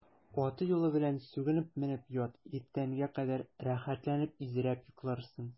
Аты-юлы белән сүгенеп менеп ят, иртәнгә кадәр рәхәтләнеп изрәп йокларсың.